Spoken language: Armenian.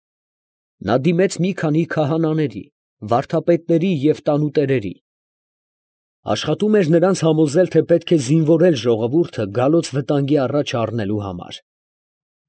Նա դիմեց մի քանի քահանաների, վարդապետների և տանուտերերի, աշխատում էր նրանց համոզել, թե պետք է զինվորել ժողովուրդը գալոց վտանգի առաջը առնելու համար։